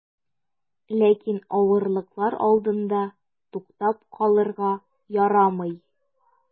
Ләкин авырлыклар алдында туктап калырга ярамый.